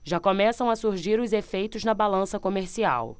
já começam a surgir os efeitos na balança comercial